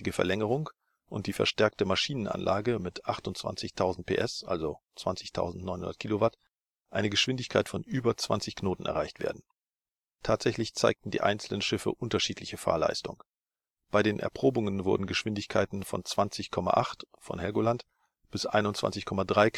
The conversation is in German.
Verlängerung und die verstärkte Maschinenanlage mit 28.000 PS eine Geschwindigkeit von über 20 kn erreicht werden. Tatsächlich zeigten die einzelnen Schiffe unterschiedliche Fahrleistung. Bei den Erprobungen wurden Geschwindigkeiten zwischen 20,8 (Helgoland) bis 21,3